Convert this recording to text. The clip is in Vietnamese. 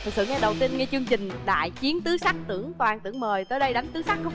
thực sự ngay đầu tiên nghe chương trình đại chiến tứ sắc tưởng toàn tưởng mời tới đây đánh tứ sắc